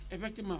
effectivement